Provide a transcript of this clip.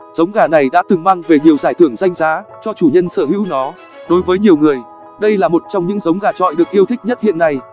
giống gà này đã từng mang về nhiều giải thưởng danh giá cho chủ nhân sở hữu nó đối với nhiều người đây là một trong những giống gà chọi được yêu thích nhất hiện nay